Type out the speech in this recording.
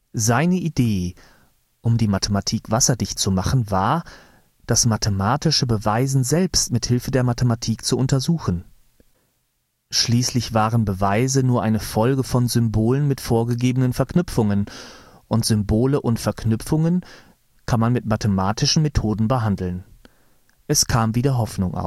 Seine Idee – um die Mathematik wasserdicht zu machen – war, das mathematische Beweisen selbst mit Hilfe der Mathematik zu untersuchen. Schließlich waren Beweise nur eine Folge von Symbolen mit vorgegebenen Verknüpfungen, und Symbole und Verknüpfungen kann man mit mathematischen Methoden behandeln. Es konnte wieder Hoffnung